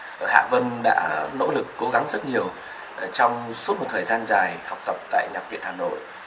hạ vân đã nỗ lực cố gắng rất nhiều trong suốt một thời gian dài học tập tại nhạc viện hà nội